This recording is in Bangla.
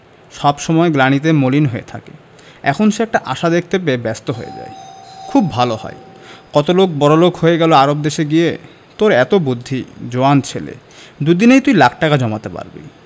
সব সময় গ্লানিতে মলিন হয়ে থাকে এখন সে একটা আশা দেখতে পেয়ে ব্যস্ত হয়ে যায় খুব ভালো হয় কত লোক বড়লোক হয়ে গেল আরব দেশে গিয়ে তোর এত বুদ্ধি জোয়ান ছেলে দুদিনেই তুই লাখ টাকা জমাতে পারবি